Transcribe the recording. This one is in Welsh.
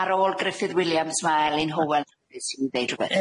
Ar ôl Gruffydd Williams ma' Elin Hywel sy'n deud rwbeth.